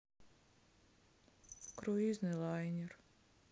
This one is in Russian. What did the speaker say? круизный лайнер